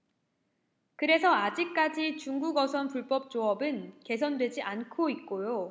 그래서 아직까지 중국어선 불법조업은 개선되지 않고 있고요